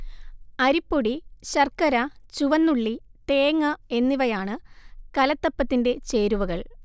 അരിപ്പൊടി, ശർക്കര, ചുവന്നുള്ളി, തേങ്ങ എന്നിവയാണ് കലത്തപ്പത്തിന്റെ ചേരുവകൾ